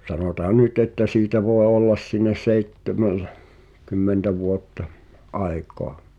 sanotaan nyt että siitä voi olla siinä - seitsemänkymmentä vuotta aikaa